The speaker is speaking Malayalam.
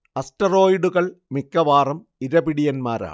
അസ്റ്ററോയ്ഡുകൾ മിക്കവാറും ഇരപിടിയന്മാരാണ്